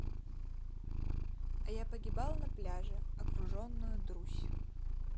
я погибал на пляже окруженную друзь